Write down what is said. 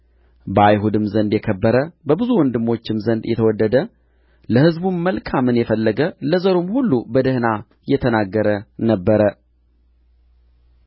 በአይሁድም ዘንድ የከበረ በብዙ ወንድሞችም ዘንድ የተወደደ ለሕዝቡም መልካምን የፈለገ ለዘሩም ሁሉ በደኅና የተናገረ ነበረ